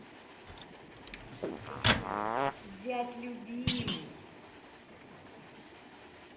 зять любимый